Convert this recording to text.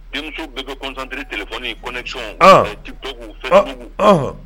Denmuso bɛɛ ka kɔntante tɛkɔn kɔnɛc fɛrɛ u